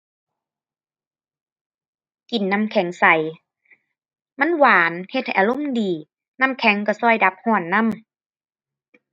กินน้ำแข็งไส มันหวานเฮ็ดให้อารมณ์ดี น้ำแข็งก็ก็ดับก็นำ